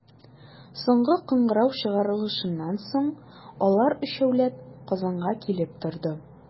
Соңгы кыңгырау чыгарылышыннан соң, алар, өчәүләп, Казанга килеп торды.